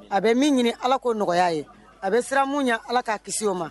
A bɛ min ɲini ala ko nɔgɔya ye a bɛ siran min ɲɛ ala k'a kisi o ma